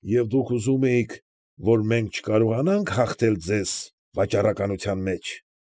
Եվ դուք ուզում էիք, որ մենք չկարողանա՞նք հաղթել ձեզ վաճառականության մեջ։